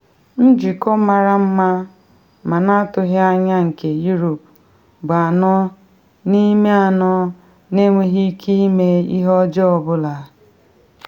Njikọ mara mma ma na atụghị anya nke Europe bụ anọ n’ime anọ n’enweghị ike ime ihe ọjọọ ọ bụla.